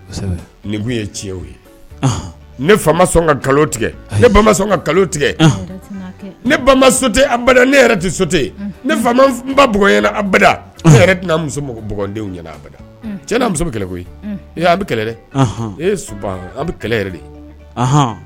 Ni tiɲɛ fa sɔn ka tigɛ tigɛ tɛdadenw ɲɛna adamuso bɛ kɛlɛ koyi a bɛ kɛlɛ dɛ e bɛ kɛlɛ